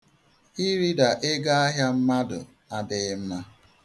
Irida ego ahịa mmadụ adịghị mma.